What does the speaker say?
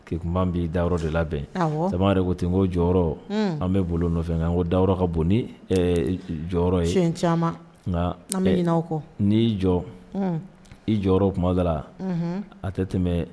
Kun bɛ da yɔrɔ de labɛn samare ko ten n ko jɔyɔrɔ an bɛ bolo nɔfɛ ko da ka bon ni jɔyɔrɔ ye caman nka an n' jɔ i jɔyɔrɔ kumasala a tɛ tɛmɛ